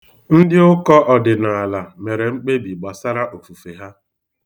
Ndị ụkọ ọdịnaala mere mgbebi mgbasara ofufe ha.